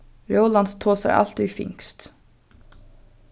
rólant tosar altíð finskt